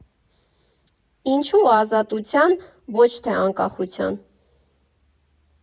Ինչո՞ւ Ազատության և ոչ թե Անկախության։